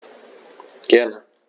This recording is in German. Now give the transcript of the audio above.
Gerne.